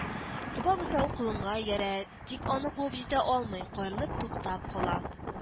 Коба бозау колынга иярә, тик аны куып җитә алмый, каерылып туктап кала